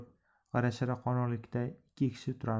g'ira shira qorong'ilikda ikki kishi turardi